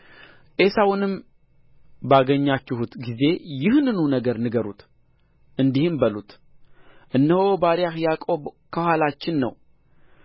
ዔሳውን ባገኛችሁት ጊዜ ይህንኑ ነገር ንገሩት እንዲህም በሉት እነሆ ባሪያህ ያዕቆብ ከኋላችን ነው